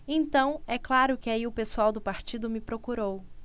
então é claro que aí o pessoal do partido me procurou